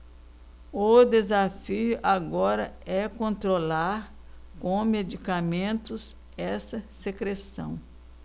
o desafio agora é controlar com medicamentos essa secreção